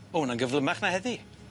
Ma' wnna'n gyflymach na heddi!